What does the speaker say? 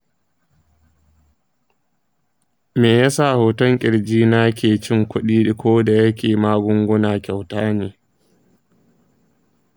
me yasa hoton kirji na ke cin kuɗi ko da yake magunguna kyauta ne?